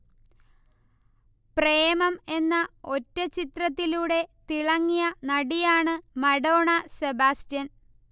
പ്രേമം എന്ന ഒറ്റചിത്രത്തിലൂടെ തിളങ്ങിയ നടിയാണ് മഡോണ സെബാസ്റ്റ്യൻ